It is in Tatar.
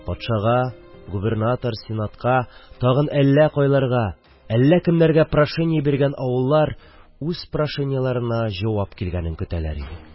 Патшага, губернатор, сенатка, тагын әллә кайларга, әллә кемнәргә прошение биргән авыллар үз прошениеләренә җавап килгәнне көтәләр иде.